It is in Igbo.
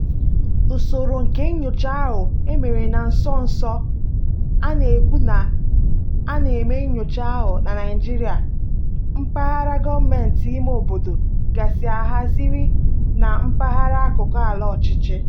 Usoro nke nnyocha ahụ e mere na nso nso a na-ekwu na a na-eme nnyocha ahụ na Naịjirịa "mpaghara gọọmentị ime obodo gasị ahaziri na mpaghara akụkụ ala ọchịchị".